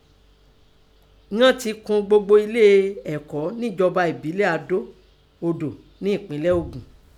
Inan tẹ tìkùn gbogbo elé ẹ̀kọ́ nẹ́jọba ẹ̀bílẹ̀ Adó odò nẹ ẹpínlẹ̀ Ògùn.